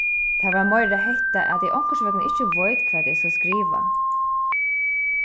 tað var meira hetta at eg onkursvegna ikki veit hvat eg skal skriva